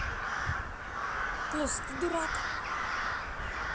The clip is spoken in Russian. closed ты дурак